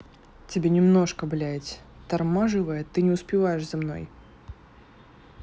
тебя немножко блядь тормаживает ты не успеваешь за мной